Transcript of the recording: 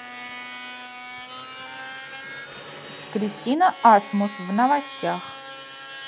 кристина асмус в новостях